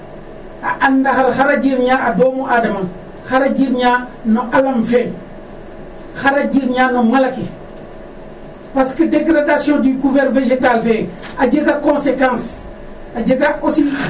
A and ndaxar ke ta jirñaa a domu adama, xar a jirñaa Alam fe, xar a jirñaa no mala ke parce que dégradation du couvert végétale fe a jega conséquence a jega aussi